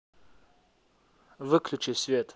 выключи свет